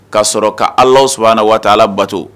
Ka sɔrɔ ka ala s na waati ala bato